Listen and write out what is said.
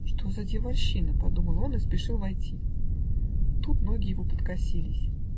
"Что за дьявольщина!" -- подумал он и спешил войти. тут ноги его подкосились.